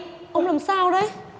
ông làm sao đấy